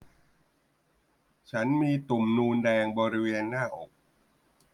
ฉันมีตุ่มนูนแดงบริเวณหน้าอก